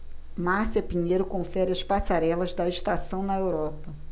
márcia pinheiro confere as passarelas da estação na europa